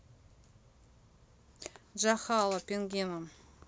jahala пингина